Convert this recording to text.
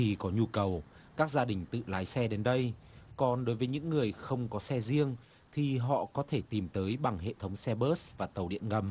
khi có nhu cầu các gia đình tự lái xe đến đây còn đối với những người không có xe riêng thì họ có thể tìm tới bằng hệ thống xe bớt và tàu điện ngầm